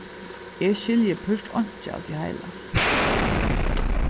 eg skilji púrt einki av tí heila